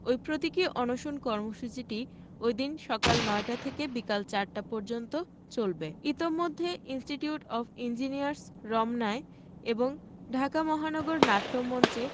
ওই প্রতীকী অনশন কর্মসূচিটি ওইদিন সকাল ৯টা থেকে বিকেল ৪টা পর্যন্ত চলবে ইতোমধ্যে ইন্সটিটিউট অব ইঞ্জিনিয়ার্স রমনায় এবং ঢাকা মহানগর নাট্যমঞ্চে